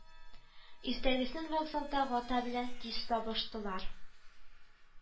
Иртәгесен вокзалда Гата белән тиз табыштылар